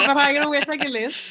Ma' rhai yn well na'i gilydd!